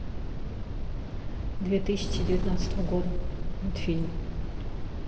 две тысячи девятнадцатого года мультфильмы